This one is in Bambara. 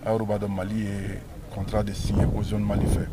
A yɛrɛw ba dɔn Mali ye contrat de signe Ozone Mali fɛ